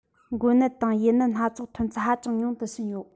འགོ ནད དང ཡུལ ནད སྣ ཚོགས ཐོན ཚད ཧ ཅང ཉུང དུ ཕྱིན ཡོད